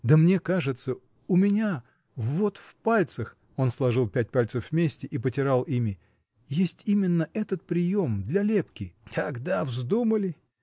— Да мне кажется, у меня — вот в пальцах (он сложил пять пальцев вместе и потирал ими) есть именно этот прием — для лепки. — Когда вздумали!